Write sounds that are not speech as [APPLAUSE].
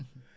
[HESITATION] [HESITATION]